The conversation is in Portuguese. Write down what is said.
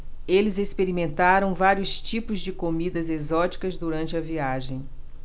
eles experimentaram vários tipos de comidas exóticas durante a viagem